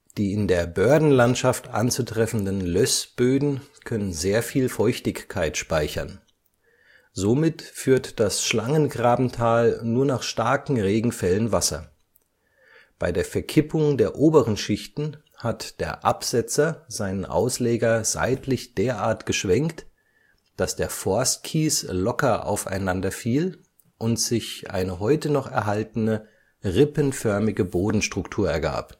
Die in der Bördenlandschaft anzutreffenden Lössböden können sehr viel Feuchtigkeit speichern. Somit führt das Schlangengrabental nur nach starken Regenfällen Wasser. Bei der Verkippung der oberen Schichten hat der Absetzer seinen Ausleger seitlich derart geschwenkt, dass der Forstkies locker aufeinander fiel und sich eine heute noch erhaltene rippenförmige Bodenstruktur ergab